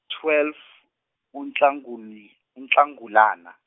twelve uNhlaguli- uNhlangulana.